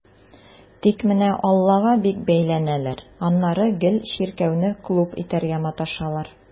Тик менә аллага бик бәйләнәләр, аннары гел чиркәүне клуб итәргә маташалар.